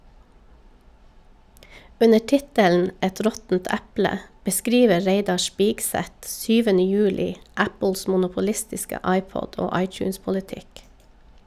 Under tittelen "Et råttent eple" beskriver Reidar Spigseth 7. juli Apples monopolistiske iPod- og iTunes-politikk.